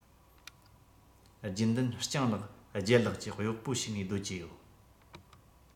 རྒྱུན ལྡན སྤྱང ལགས ལྗད ལགས ཀྱི གཡོག པོ བྱས ནས སྡོད ཀྱི ཡོད